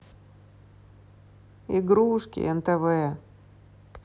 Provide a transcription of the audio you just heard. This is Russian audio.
игрушки нтв